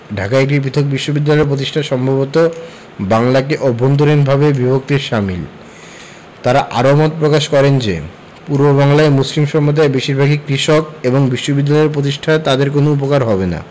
ঢাকায় একটি পৃথক বিশ্ববিদ্যালয় প্রতিষ্ঠা সম্ভবত বাংলাকে অভ্যন্তরীণভাবে বিভক্তির শামিল তাঁরা আরও মত প্রকাশ করেন যে পূর্ববাংলায় মুসলিম সম্প্রদায় বেশির ভাগই কৃষক এবং বিশ্ববিদ্যালয় প্রতিষ্ঠায় তাদের কোনো উপকার হবে না